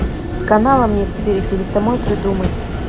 с канала мне стырить или самой придумать